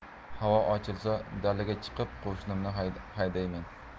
havo ochilsa dalaga chiqib qo'shimni haydaymen